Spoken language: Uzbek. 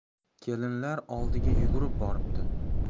kelinlar oldiga yugurib boribdi